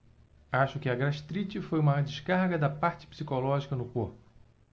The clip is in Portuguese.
acho que a gastrite foi uma descarga da parte psicológica no corpo